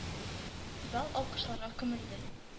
Зал алкышларга күмелде.